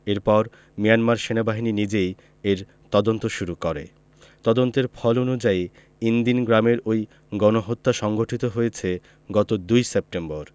এরপর মিয়ানমার সেনাবাহিনী নিজেই এর তদন্ত শুরু করে তদন্তের ফল অনুযায়ী ইনদিন গ্রামের ওই গণহত্যা সংঘটিত হয়েছে গত ২ সেপ্টেম্বর